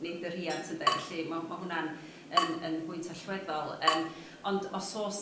nid y rhiant ynde? Felly ma' ma' hwna'n yn yn bwynt allweddol yym ond os oes